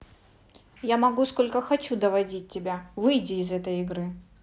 я могу сколько хочу доводить тебя выйди из этой игры